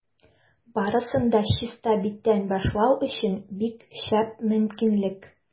Барысын да чиста биттән башлау өчен бик шәп мөмкинлек.